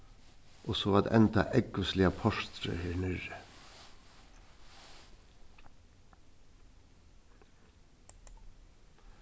og so at enda ógvusliga portrið her niðri